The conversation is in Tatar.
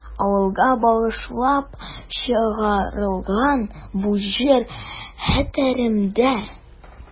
Авылга багышлап чыгарылган бу җыр хәтеремдә.